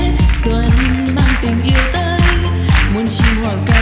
yêu tới muôn